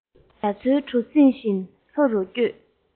རྒྱ མཚོའི གྲུ གཟིངས བཞིན ལྷོ རུ བསྐྱོད